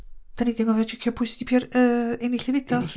Dan ni di' anghofio tsecio pwy sy' 'di pio'r, yy, ennill y fedal!